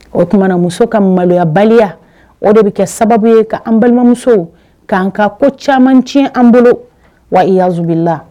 O tumaumana muso ka maloyabaliya o de bɛ kɛ sababu ye k'an balimamusow k'an ka ko caman tiɲɛ an bolo wal iyaazu billahi